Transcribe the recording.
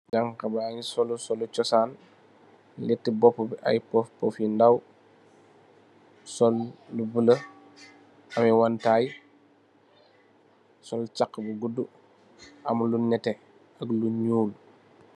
yankaba gis solu solu chossan leti bopu bi ay pof pof yu ndaw sol lu bulo ameh waantaay sol chaq bu gudu am lu nete am lu nyool